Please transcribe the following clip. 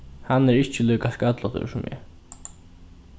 hann er ikki líka skallutur sum eg